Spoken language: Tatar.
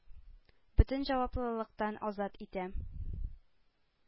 Бөтен җаваплылыктан азат итә.